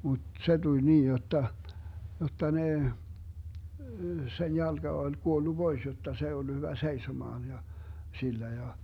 mutta se tuli niin jotta jotta ne sen jalka oli kuollut pois jotta se ei ollut hyvä seisomaan ja sillä ja